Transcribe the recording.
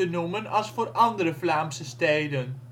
noemen als voor andere Vlaamse steden